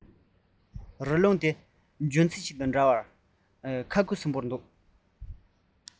རི ཀླུང གི ལྗོན ཚལ ཞིག དང འདྲ བར དབེན ཅིང ཁུ སུམ མེར གནས